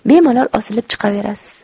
bemalol osilib chiqaverasiz